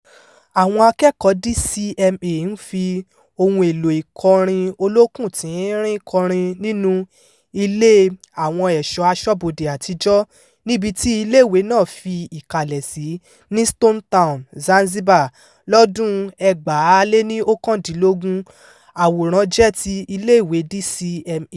Àwọn akẹ́kọ̀ọ́ọ DCMA ń fi ohun èlò ìkọrin olókùn tín-ín-rín kọrin nínú Ilé Àwọn Ẹ̀ṣọ́ Aṣọ́bodè Àtijọ́, níbití iiléèwé náà fi ìkàlẹ̀ sí, ní Stone Town, Zanzibar, lọ́dún-un 2019. Àwòrán jẹ́ ti iléèwée DCMA.